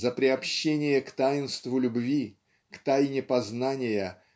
За приобщение к таинству любви к тайне познания